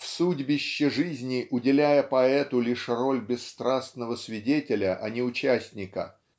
в судьбище жизни уделяя поэту лишь роль бесстрастного свидетеля а не участника